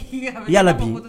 I yaladon